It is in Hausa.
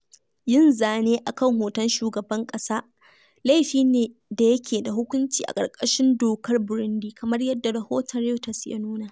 Yin zane [a kan hoton shugaban ƙasa] laifi ne da yake da hukunci a ƙarƙashin dokar Burundi, kamar yadda rahoton Reuters ya nuna.